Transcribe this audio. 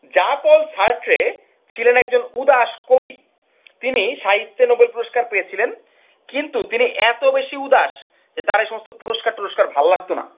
Jean Paul Sartre ছিলেন একজন উদাস কবি তিনি সাহিত্যে নোবেল পুরস্কার পেয়েছিলেন কিন্তু তিনি এতো বেশী উদাস যে তার এসব পুরস্কার টুরস্কার ভালো লাগতো না